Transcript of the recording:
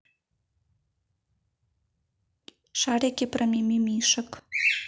шарики про мимимишек